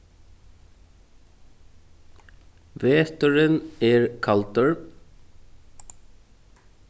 veturin er kaldur